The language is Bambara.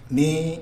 Neee